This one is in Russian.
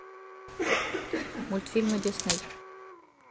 мультфильмы дисней